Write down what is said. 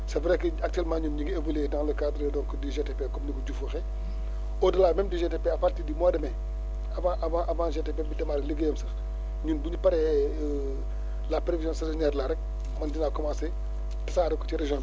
c' est vrai que actuellement ñun ñu ngi évoluer dans le cadre donc du GTP comme ni ko Diouf waxee au delà même du GTP à partir du mois de mai avant vanat avant GTP di démarrer liggéeyam sax ñun bi ñu paree la prévision saisonnière là rek man dinaa commencer tasaare ko ci région bi